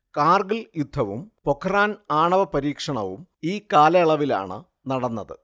കാർഗിൽ യുദ്ധവും പൊഖ്റാൻ ആണവ പരീക്ഷണവും ഈ കാലയളവിലാണ് നടന്നത്